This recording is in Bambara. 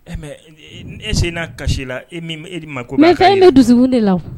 Mɛ e sen n'a kasisi la e e ma ko n e bɛ dusukun de la